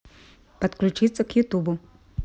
подключиться к youtube